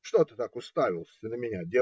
Что ты так уставился на меня?